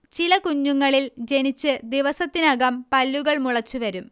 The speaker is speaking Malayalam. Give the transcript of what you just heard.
ചില കുഞ്ഞുങ്ങളിൽ ജനിച്ച് ദിവസത്തിനകം പല്ലുകൾ മുളച്ചുവരും